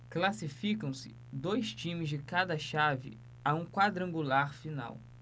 classificam-se dois times de cada chave a um quadrangular final